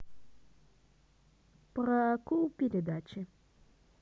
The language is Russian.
про акул передачи